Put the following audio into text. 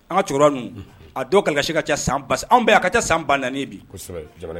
An ka a don kasi ka ca san ka ca san ba naani bi